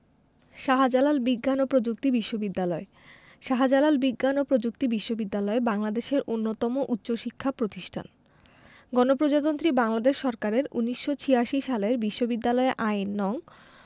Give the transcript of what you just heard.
শাহ্জালাল বিজ্ঞান ও প্রযুক্তি বিশ্ববিদ্যালয় শাহ্জালাল বিজ্ঞান ও প্রযুক্তি বিশ্ববিদ্যালয় বাংলাদেশের অন্যতম উচ্চশিক্ষা প্রতিষ্ঠান গণপ্রজাতন্ত্রী বাংলাদেশ সরকারের ১৯৮৬ সালের বিশ্ববিদ্যালয় আইন নং